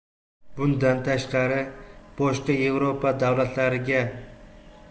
bundan tashqari boshqa yevropa davlatlariga